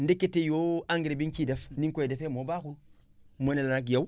ndeketeyoo engrais bi ñu ciy def nim koy defee moo baaxul mu ne la nag yow